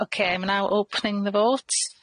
ok I'm now opening the vote.